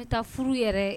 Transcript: O tɛ taa furu yɛrɛ